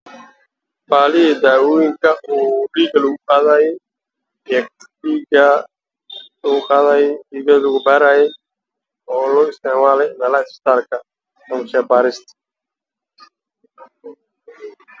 Waxaa iga muuqda araabihii daawooyinka dhiig lagu qaadayay oo laga isticmaalo meelaha isbitaalka yeeshay baarada